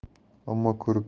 ammo ko'rib